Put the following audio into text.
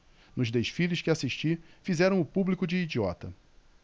nos desfiles que assisti fizeram o público de idiota